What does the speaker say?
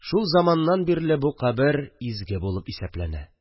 Шул заманнан бирле бу кабер изге булып исәпләнә